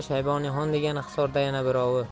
shayboniyxon degani hisorda yana birovi